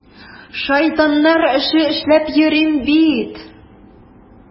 Шайтаннар эше эшләп йөрим бит!